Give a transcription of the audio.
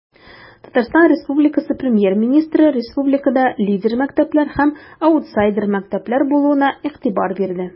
ТР Премьер-министры республикада лидер мәктәпләр һәм аутсайдер мәктәпләр булуына игътибар бирде.